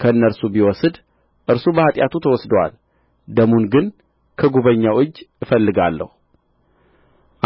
ከእነርሱ ቢወስድ እርሱ በኃጢአቱ ተወስዶአል ደሙን ግን ከጕበኛው እጅ እፈልጋለሁ